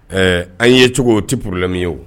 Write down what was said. Ɛɛ an ye cogo o tɛorourulilami ye